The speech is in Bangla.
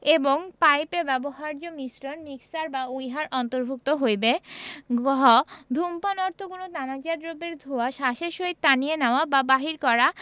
এবং পাইপে ব্যবহার্য মিশ্রণ মিক্সার ও ইহার অন্তর্ভুক্ত হইবে ঘ ধূমপান অর্থ কোন তামাকজাত দ্রব্যের ধোঁয়া শ্বাসের সহিত টানিয়া নেওয়া বা বাহির করা